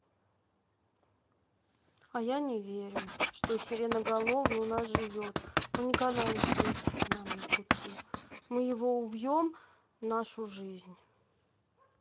а я не верю что сиреноголовый у нас живет он никогда не встретиться нам на пути мы его убьем нашу жизнь